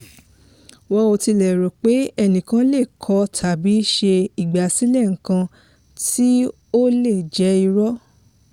Wọn ò tilẹ̀ lè lérò pé ẹnìkan lè kọ tàbí ṣe ìgbàsílẹ̀ nǹkan tí ó lè jẹ́ irọ́.